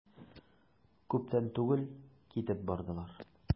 Күптән түгел китеп бардылар.